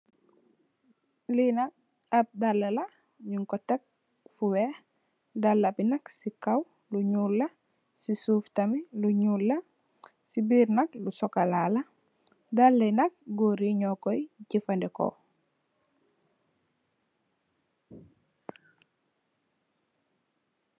Li nak ap dalla la ñing ko tèk fu wèèx, dalla bi nak ci kaw lu ñuul la, ci suuf tamit lu ñuul la ci biir nak lu sokola la. Dalla yi nak gór yi ño koy jafandiko.